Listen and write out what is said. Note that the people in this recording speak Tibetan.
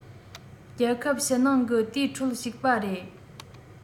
རྒྱལ ཁབ ཕྱི ནང གི དེའི ཁྲོད ཞུགས པ རེད